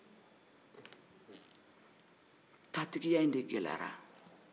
tatigiya in de gɛlɛyara